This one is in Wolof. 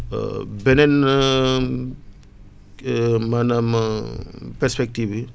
beneen maanaam perspectives yi